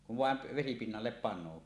kun vain - vesipinnalle panee